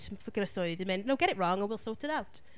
I fod gyda swydd i mynd, no, get it wrong, and we'll sort it out.